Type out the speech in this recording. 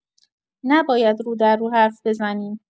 نباید رو در رو حرف بزنیم.